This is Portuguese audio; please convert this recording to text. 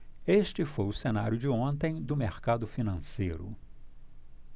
este foi o cenário de ontem do mercado financeiro